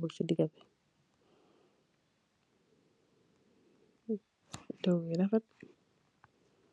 bu nhka ce degaa bi.